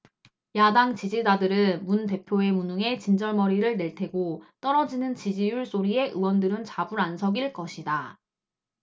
야당 지지자들은 문 대표의 무능에 진절머리를 낼 테고 떨어지는 지지율 소리에 의원들은 좌불안석일 것이다